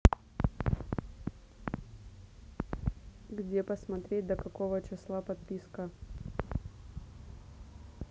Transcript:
где посмотреть до какого числа подписка